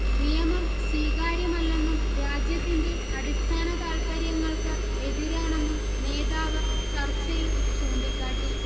നിയമം സ്വീകാര്യമല്ലെന്നും രാജ്യത്തിന്റെ അടിസ്ഥാന താത്പര്യങ്ങള്ക്ക് എതിരാണെന്നും നേതാവ് ചര്ച്ചയില് ചൂണ്ടിക്കാട്ടി